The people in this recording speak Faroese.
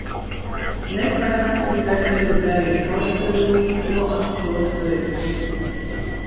nógvar kappingar eru bæði í talvfeløgum og á altjóða støði